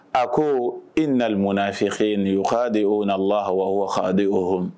A ko